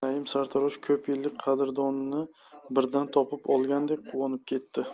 naim sartarosh ko'p yillik qadrdonini birdan topib olgandek quvonib ketdi